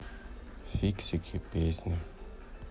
фиксики песни